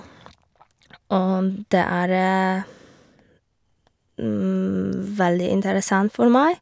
Og det er veldig interessant for meg.